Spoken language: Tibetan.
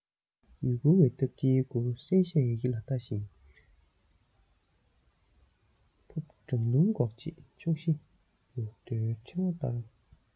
ཡུལ སྐོར བའི སྟབས བདེའི གུར གསལ བཤད ཡི གེ ལ ལྟ བཞིན ཕུབ གྲང རླུང འགོག ཆེད ཕྱོགས བཞི རུ རྡོའི ཕྲེང བ བསྟར